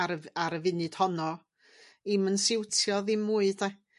ar y f- ar y funud honno 'im yn siwtio ddim mwy 'da?